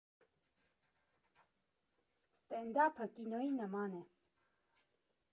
Ստենդափը կինոյի նման է։